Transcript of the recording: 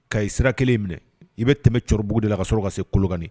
Ka' sira kelen minɛ i bɛ tɛmɛ cɛkɔrɔbabugu de la ka sɔrɔ ka se kulukani